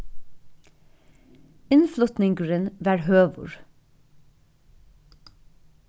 innflutningurin var høgur